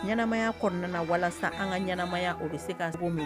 Ɲɛnɛmaya kɔnɔna na walasa an ka ɲɛnɛmaya o bɛ se ka ko